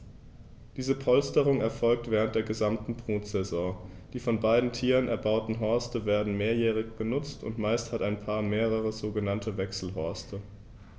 Diese Polsterung erfolgt während der gesamten Brutsaison. Die von beiden Tieren erbauten Horste werden mehrjährig benutzt, und meist hat ein Paar mehrere sogenannte Wechselhorste.